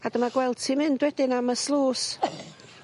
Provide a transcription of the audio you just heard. A dyma gweld hi mynd wedyn am y sluice